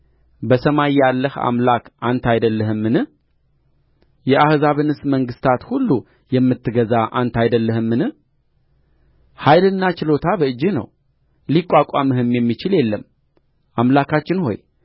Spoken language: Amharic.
በሰማይ ያለህ አምላክ አንተ አይደለህምን የአሕዛብንስ መንግሥታት ሁሉ የምትገዛ አንተ አይደለህምን ኃይልና ችሎታ በእጅህ ነው ሊቋቋምህም የሚችል የለም አምላካችን ሆይ